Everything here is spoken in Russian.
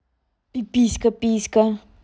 пиписька писька